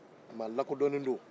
mɔgɔ lakodɔnlen don